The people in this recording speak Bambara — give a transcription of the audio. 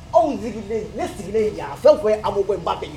Anw sigilen ne sigilen jan a fɛn' yemu bɔ bɛ ye